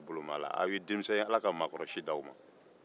aw ye denmisɛnw ye ala ka maakɔrɔsi di aw ma